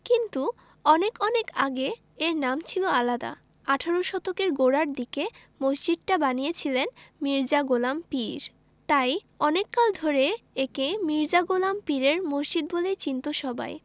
কিন্তু অনেক অনেক আগে এর নাম ছিল আলাদা আঠারো শতকের গোড়ার দিকে মসজিদটা বানিয়েছিলেন মির্জা গোলাম পীর তাই অনেক কাল ধরে একে মির্জা গোলাম পীরের মসজিদ বলেই চিনতো সবাই